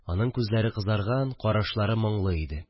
Аның күзләре кызарган, карашлары моңлы иде